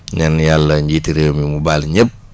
ñaan yàlla njiitu réew mi mu baal ñëpp